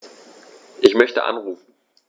Ich möchte anrufen.